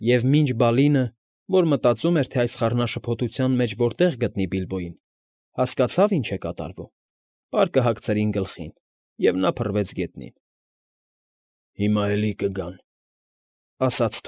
Եվ մինչ Բալինը, որ մտածում էր, թե այս խառնաշփոթության մեջ որտեղ գտնի Բիլբոյին, հասկացավ ինչ է կատարվում, պարկը հագցրին գլխին, և նա փռվեց գետնին։ ֊ Հիմա էլի կգան,֊ ասաց։